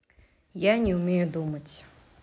я не умею думать